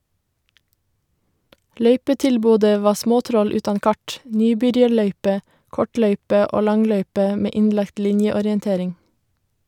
Løypetilbodet var småtroll utan kart, nybyrjarløype, kortløype og langløype med innlagt linjeorientering.